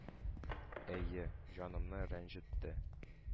— әйе. җанымны рәнҗетте.